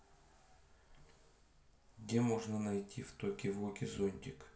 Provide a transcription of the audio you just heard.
где можно найти в токи воки зонтик